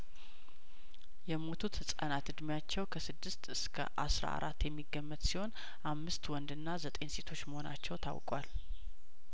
የሞቱት ህጻናት እድሜያቸው ከስድስት እስከ አስራ አራት የሚገመት ሲሆን አምስት ወንድና ዘጠኝ ሴቶች መሆናቸው ታውቋል